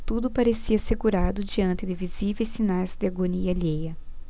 tudo parecia assegurado diante de visíveis sinais de agonia alheia